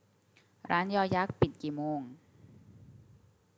ร้านยยักษ์ปิดกี่โมง